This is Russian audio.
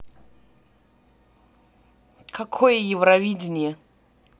какое евровидение